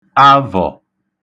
avọ̀